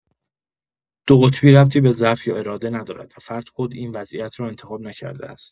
دوقطبی ربطی به ضعف یا اراده ندارد و فرد خود این وضعیت را انتخاب نکرده است.